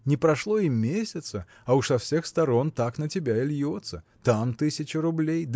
Не прошло месяца, а уж со всех сторон так на тебя и льется. Там тысяча рублей